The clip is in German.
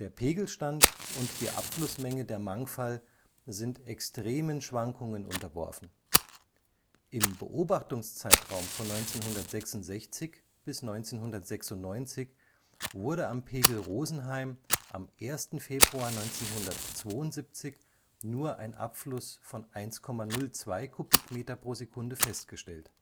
Pegelstand und die Abflussmenge der Mangfall sind extremen Schwankungen unterworfen. Im Beobachtungszeitraum von 1966 bis 1996 wurde am Pegel Rosenheim am 1. Februar 1972 nur ein Abfluss von 1,02 m³/s festgestellt